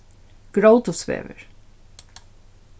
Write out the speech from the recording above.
gróthúsvegur